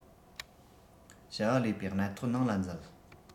བྱ བ ལས པའི གནད ཐོག ནང ལ འཛུལ